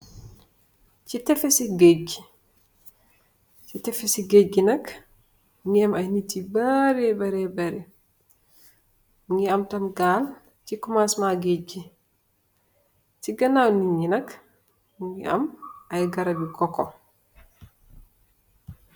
....am ay nit yu bëree bëree. Mu ngi am tam gaal, ci kumaas maa gëëge gi. Ci ganaaw nit ñi nak, mu ngi am ay garab i kokko.